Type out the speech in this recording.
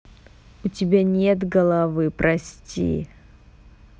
у тебя нет головы прости